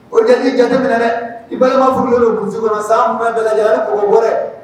O jatigi ja minɛ dɛ i ba furu don kun kɔnɔ san dala yɛrɛ ko bɔ dɛ